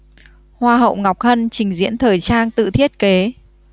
hoa hậu ngọc hân trình diễn thời trang tự thiết kế